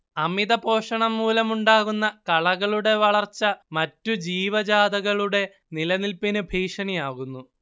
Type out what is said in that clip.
അമിതപോഷണം മൂലമുണ്ടാകുന്ന കളകളുടെ വളർച്ച മറ്റുജീവജാതകളുടെ നിലനില്പിന് ഭീഷണിയാകുന്നു